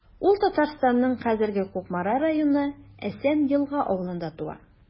Ул Татарстанның хәзерге Кукмара районы Әсән Елга авылында туа.